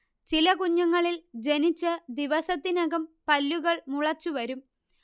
ചില കുഞ്ഞുങ്ങളിൽ ജനിച്ച് ദിവസത്തിനകം പല്ലുകൾ മുളച്ചുവരും